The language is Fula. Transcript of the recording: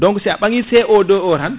donc sa a ɓaami CO2 o tan